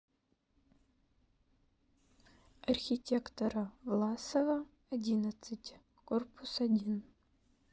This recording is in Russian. архитектора власова одиннадцать корпус один